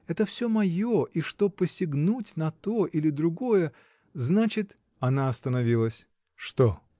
— это всё мое, и что посягнуть на то или на другое — значит. Она остановилась. — Что?